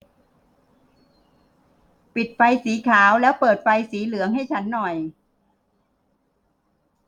ปิดไฟสีขาวแล้วเปิดไฟสีเหลืองให้ฉันหน่อย